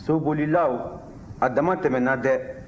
sobolilaw a damatɛmɛnna dɛ